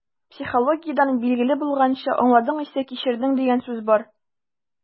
Психологиядән билгеле булганча, «аңладың исә - кичердең» дигән сүз бар.